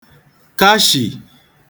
kashì